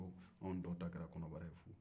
ko anw tɔw ta kɛra kɔnɔbara ye